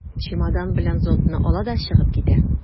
Чемодан белән зонтны ала да чыгып китә.